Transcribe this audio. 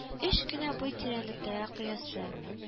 Өч кенә буй тирәнлектәге коесы